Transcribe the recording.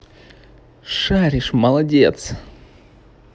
шаришь молодец